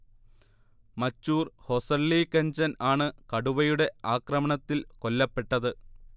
മച്ചൂർ ഹൊസള്ളി കെഞ്ചൻ ആണ് കടുവയുടെ ആക്രമണത്തിൽ കൊല്ലപ്പെട്ടത്